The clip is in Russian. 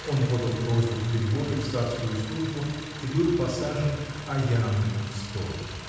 Он подал просьбу к переводу в статскую службу и был посажен к Аянову в стол.